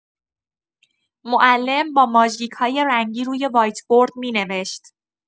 معلم با ماژیک‌های رنگی روی وایت‌برد می‌نوشت.